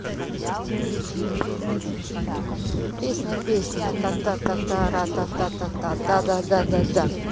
песня песня тататаратата да да да да